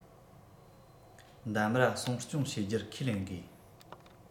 འདམ ར སྲུང སྐྱོང བྱེད རྒྱུར ཁས ལེན དགོས